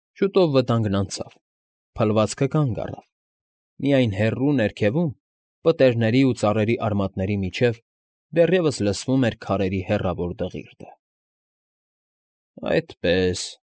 Շուտով վտանգն անցավ, փլվածքը կանգ առավ, միայն հեռու ներքևում, պտերիների ու ծառերի արմատների միջև, դեռևս լսվում էր քարերի հեռավոր դղիրդը։ ֊ Այդպե՜ս։